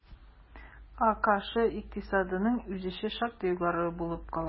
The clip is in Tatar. АКШ икътисадының үсеше шактый югары булып калачак.